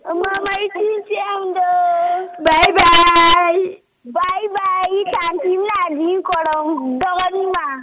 Mamatigi ce don ba ba ka ji la di kɔrɔ dɔgɔnin ma